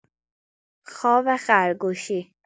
خواب خرگوشی